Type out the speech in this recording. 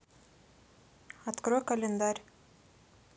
открой календарь